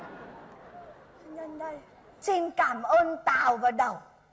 à nhân đây xin cảm ơn tào và đẩu